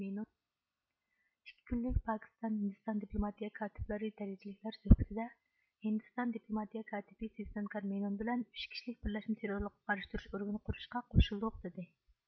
ئىككى كۈنلۈك پاكىستان ھىندىستان دىپلوماتىيە كاتىپلىرى دەرىجىلىكلەر سۆھبىتىدە ھىندىستان دىپلوماتىيە كاتىپى سىۋسانكار مېينون بىلەن ئۈچ كىشىلىك بىرلەشمە تېررورلۇققا قارشى تۇرۇش ئورگىنى قۇرۇشقا قوشۇلدۇق دىدى